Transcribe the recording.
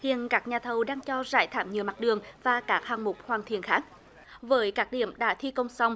hiện các nhà thầu đang cho rải thảm nhựa mặt đường và các hạng mục hoàn thiện khác với các điểm đã thi công xong